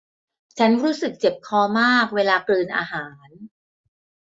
ฉันรู้สึกเจ็บคอมากเวลากลืนอาหาร